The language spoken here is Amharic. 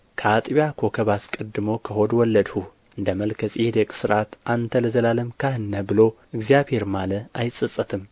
ከአጥቢያ ኮከብ አስቀድሞ ከሆድ ወለድሁህ እንደ መልከ ጼዴቅ ሥርዓት አንተ ለዘላለም ካህን ነህ ብሎ እግዚአብሔር ማለ አይጸጸትም